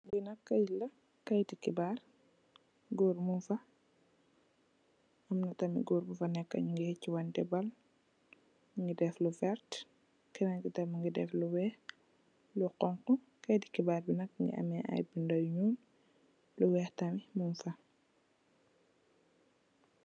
Li kayit la, kayiti xibaar, góor mung fa. Am na tamit góor bu fa nekka ñyunge hechu wante baal, mungi def lu vert, kenen tamit mungi def lu weex, lu xonxu. Kayiti xibaar bi mungi ame ay binda yu ñul, lu weex taal mung fa.